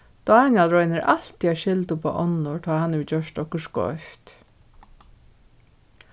dánjal roynir altíð at skylda upp á onnur tá ið hann hevur gjørt okkurt skeivt